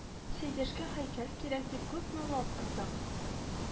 Сәйдәшкә һәйкәл кирәк дип күпме лаф ордык